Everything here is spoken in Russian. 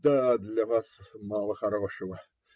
- Да, для вас мало хорошего.